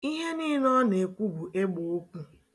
Ihe niile ọ na-ekwu bụ egbeokwu